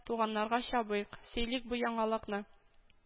Туганнарга чабыйк. сөйлик бу яңалыкны